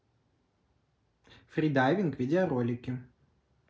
фри дайвинг видеоролики